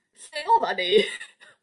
lle oddan ni?